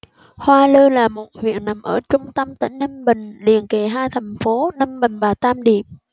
hoa lư là một huyện nằm ở trung tâm tỉnh ninh bình liền kề hai thành phố ninh bình và tam điệp